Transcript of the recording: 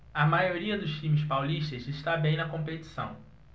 a maioria dos times paulistas está bem na competição